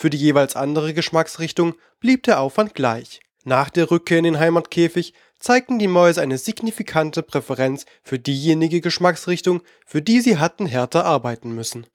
die jeweils andere Geschmacksrichtung blieb der Aufwand gleich. Nach der Rückkehr in den Heimatkäfig zeigten die Mäuse eine signifikante Präferenz für diejenige Geschmacksrichtung, für die sie hatten härter arbeiten müssen